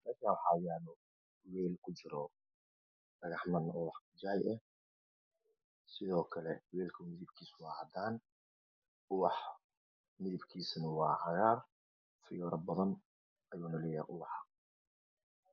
Meshan waxayalo weel kujiro dhagxman oo jaay ah eelka midb kisa wa cadan ubax midibkisan waa cagar fiyor badan ayow leyahay ubax